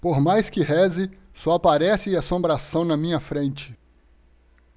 por mais que reze só aparece assombração na minha frente